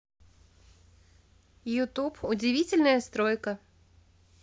ютуб удивительная стройка